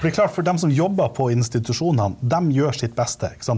for det er klart, for dem som jobber på institusjonene, dem gjør sitt beste, ikke sant.